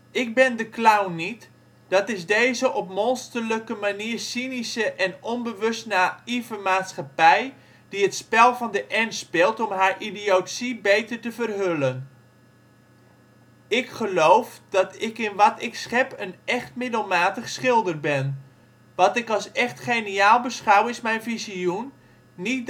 de clown niet, dat is deze op monsterlijke manier cynische en onbewust naïeve maatschappij die het spel van de ernst speelt om haar idiotie beter te verhullen. "" Ik geloof dat ik in wat ik schep een echt middelmatig schilder ben, wat ik als echt geniaal beschouw, is mijn visioen, niet